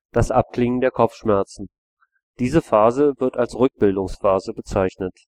das Abklingen der Kopfschmerzen. Diese Phase wird als Rückbildungsphase bezeichnet